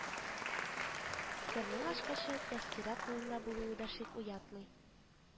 Сернең ачкычы тәскирә кулында булуы да шик уятмый